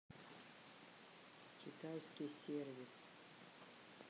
китайский сервис